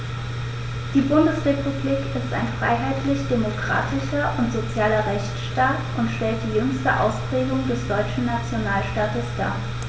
Die Bundesrepublik ist ein freiheitlich-demokratischer und sozialer Rechtsstaat und stellt die jüngste Ausprägung des deutschen Nationalstaates dar.